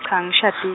angshadil-.